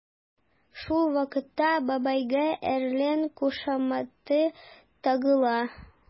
Шул вакытта бабайга “әрлән” кушаматы тагыла.